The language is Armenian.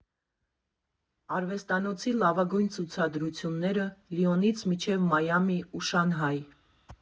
Արվեստի լավագույն ցուցադրությունները Լիոնից մինչև Մայամի ու Շանհայ։